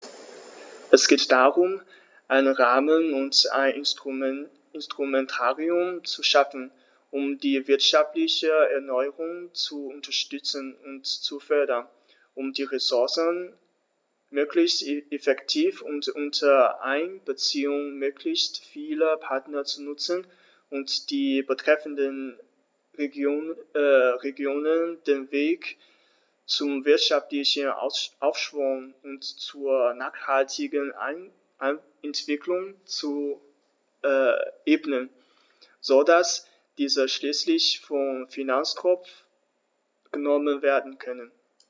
Es geht darum, einen Rahmen und ein Instrumentarium zu schaffen, um die wirtschaftliche Erneuerung zu unterstützen und zu fördern, um die Ressourcen möglichst effektiv und unter Einbeziehung möglichst vieler Partner zu nutzen und den betreffenden Regionen den Weg zum wirtschaftlichen Aufschwung und zur nachhaltigen Entwicklung zu ebnen, so dass diese schließlich vom Finanztropf genommen werden können.